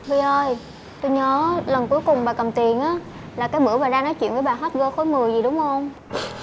vi ơi tui nhớ lần cuối cùng bà cầm tiền á là cái bữa bà ra nói chuyện với bà hót gơ khối mười gì đúng hông